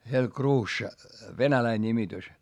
se oli kruussa venäläinen nimitys